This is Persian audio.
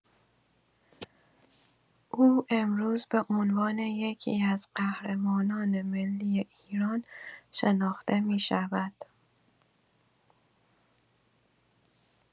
او امروز به عنوان یکی‌از قهرمانان ملی ایران شناخته می‌شود.